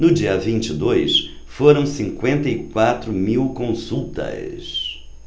no dia vinte e dois foram cinquenta e quatro mil consultas